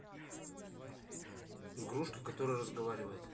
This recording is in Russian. игрушка которая разговаривает